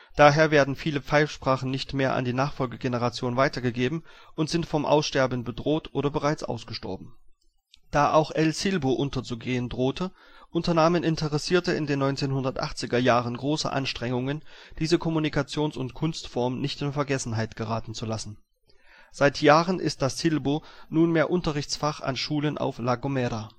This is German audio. Daher werden viele Pfeifsprachen nicht mehr an die Nachfolgegenerationen weitergegeben und sind vom Aussterben bedroht oder bereits ausgestorben. Da auch El Silbo unterzugehen drohte, unternahmen Interessierte in den 1980er Jahren große Anstrengungen, diese Kommunikations - und Kunstform nicht in Vergessenheit geraten zu lassen. Seit Jahren ist das Silbo nunmehr Unterrichtsfach an Schulen auf La Gomera